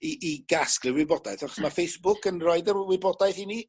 i i gasglu wybodaeth achos ma' Facebook yn roid yr wybodaeth i ni